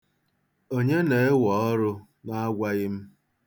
Onye na-ewe ọrụ n'akwaghị m?